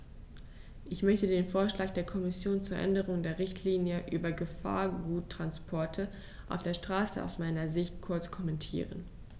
Ich möchte den Vorschlag der Kommission zur Änderung der Richtlinie über Gefahrguttransporte auf der Straße aus meiner Sicht kurz kommentieren.